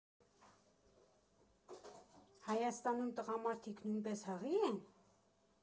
Հայաստանում տղամարդիկ նույնպես հղի՞ են։